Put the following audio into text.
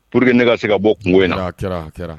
Pur que ne ka se ka bɔ kungo in kɛra kɛra